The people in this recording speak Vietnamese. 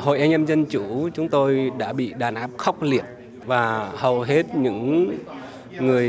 hội anh em dân chủ chúng tôi đã bị đàn áp khốc liệt và hầu hết những người